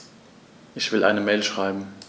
Ich will eine Mail schreiben.